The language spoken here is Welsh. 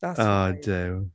That's fine... O Duw.